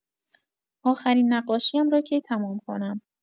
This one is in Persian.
آخرین نقاشی‌ام را کی تمام کنم؟